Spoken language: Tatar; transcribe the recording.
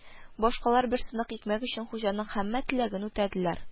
Башкалар бер сынык икмәк өчен хуҗаның һәммә теләген үтәделәр